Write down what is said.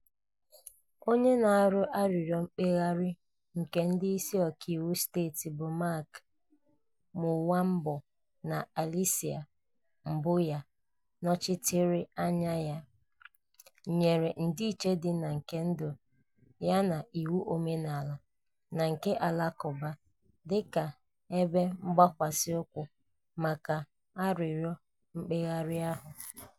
Onye na-arịọ arịrịọ mkpegharị, nke ndị isi ọkaiwu steeti bụ Mark Mulwambo na Alesia Mbuya nọchitere anya ya, nyere ndịiche ndị nke ndụ yana iwu omenala na nke Alakụba dịka ebe mgbakwasị ụkwụ maka arịrịọ mkpegharị ahụ.